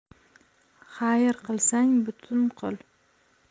xayr qilsang butun qil